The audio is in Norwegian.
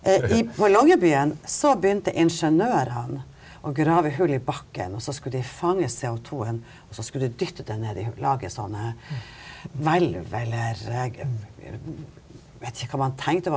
i på Longyearbyen så begynte ingeniørene å grave hull i bakken og så skulle de fange CO2-en og så skulle de dytte den ned i lage sånne hvelv eller jeg vet ikke hva man tenkte var.